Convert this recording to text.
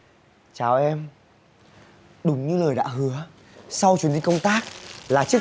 chào em đúng như lời đã hứa sau chuyến đi công tác là chiếc